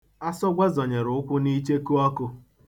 Asọgwa zọnyere ụkwụ n'ichekuọkụ.